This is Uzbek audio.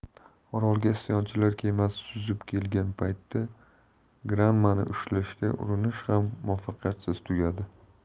orolga isyonchilar kemasi suzib kelgan paytda granma ni ushlashga urinish ham muvaffaqiyatsiz tugadi